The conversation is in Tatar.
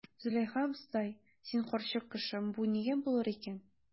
Зөләйха абыстай, син карчык кеше, бу нигә булыр икән?